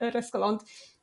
yr ysgol ond